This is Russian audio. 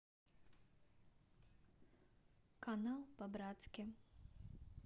канал по братски